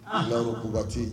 Alaa rukubatathi